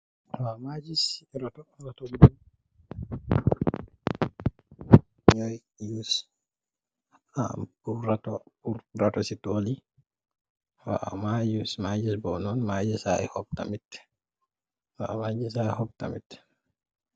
Waw magi giss ratoo ratoo bi yoi use am pul ratoo si tol yi waw magi giss bo magi giss ay hoop tamit waw magi giss ay hoop tamit.